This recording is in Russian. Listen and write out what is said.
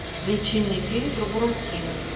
включи мне фильм про буратино